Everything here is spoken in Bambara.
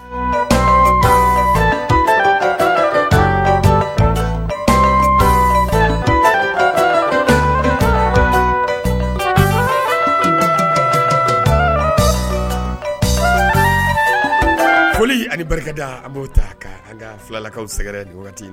Foli ani barika da an bo ta ka an ka filalakaw sɛgɛrɛti